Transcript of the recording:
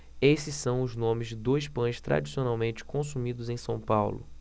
esses são os nomes de dois pães tradicionalmente consumidos em são paulo